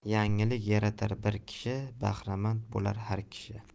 yangilik yaratar bir kishi bahramand bo'lar har kishi